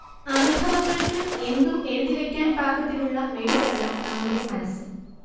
അനുഭവങ്ങൾക്ക് എന്തും എഴുതിവക്കാൻ പാകത്തിലുള്ള മെഴുകല്ല നമ്മുടെ മനസ്സ്